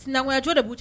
Nakunyajɔ b'